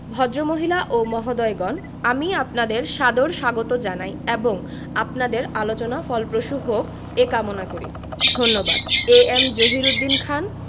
ভদ্রমহিলা ও মহোদয়গণ আমি আপনাদের সাদর স্বাগত জানাই এবং আপনাদের আলোচনা ফলপ্রসূ হোক এ কামনা করি ধন্যবাদ এ এম জহিরুদ্দিন খান